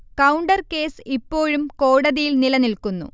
counter case ഇപ്പോഴും കോടതിയിൽ നിലനിൽക്കുന്നു